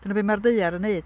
Dyna be mae'r ddaear yn wneud.